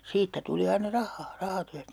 siitä tuli aina rahaa rahatyöstä